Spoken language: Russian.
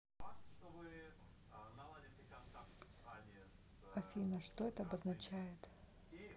афина что это обозначает